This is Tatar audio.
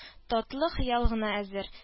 Татлы хыял гына хәзер